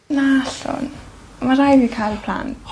Na allwn. Ma' rhai' fi ca'l plan'.